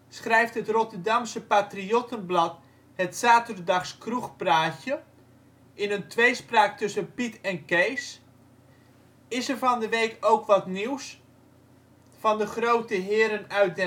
schrijft het Rotterdamse patriottenblad Het Saturdags Kroegpraatje, in een tweespraak tussen Piet en Kees:,, Is er van de week ook wat nieuws van de groote Heeren uit